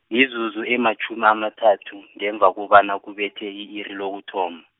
mizuzu ematjhumi amathathu, ngemva kobana kubethe i-iri lokuthoma.